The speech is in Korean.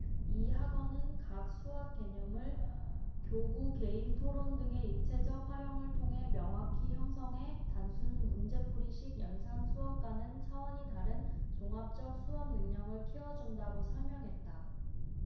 이 학원은 각 수학 개념을 교구 게임 토론 등의 입체적 활동을 통해 명확히 형성해 단순한 문제풀이식 연산수학과는 차원이 다른 종합적 수학능력을 키워준다고 설명했다